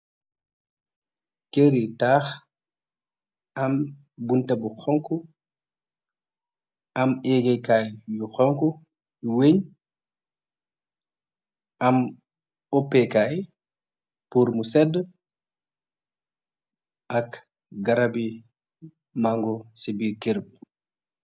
Kerr i taax, am buntu bu xonxu, am egee kaay bu xonxu. Wenge, am uppe kaay, pur mu seeda, am garab i,maango, si biir kerr bi.